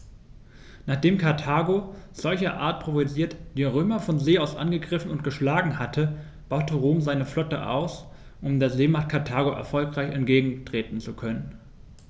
Nachdem Karthago, solcherart provoziert, die Römer von See aus angegriffen und geschlagen hatte, baute Rom seine Flotte aus, um der Seemacht Karthago erfolgreich entgegentreten zu können.